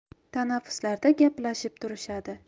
tanaffuslarda gaplashib turishadi